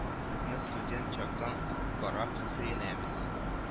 Сезне студент чактан ук карап сөенәбез